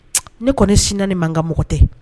Ne kɔni sinina ni man ka mɔgɔ tɛ